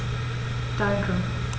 Danke.